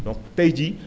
donc tey jii